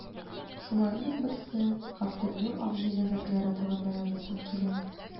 Шуларның берсе – Габделнур абый мәзәкләре турында язасым килә.